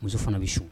Muso fana bɛ su